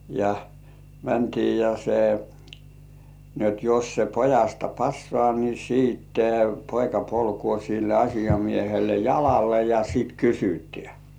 ja mentiin ja se niin jotta jos se pojasta passaa niin sitten poika polkee sille asiamiehelle jalalle ja sitten kysytään